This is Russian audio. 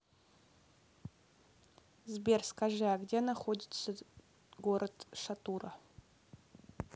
сбер скажи а где находится город шатура